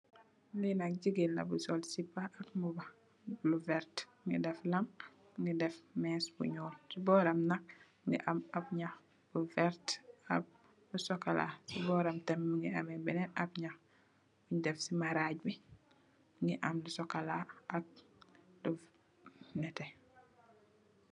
Lii nak gigain la bu sol sipah ak mbuba lu vertue, mungy deff lam, mungy deff meeche bu njull, cii bohram nak mungy am ahb njahh bu vertue ak bu chocolat, cii bohram tamit mungy ameh benen ahb njahh bungh deff cii marajj bii, mungy am chocolat ak lu nehteh.